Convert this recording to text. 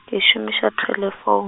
ke šomiša thelefou-.